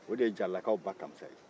o de ye jaralakaw ba kamisa ye